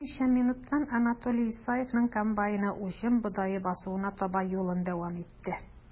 Берничә минуттан Анатолий Исаевның комбайны уҗым бодае басуына таба юлын дәвам итте.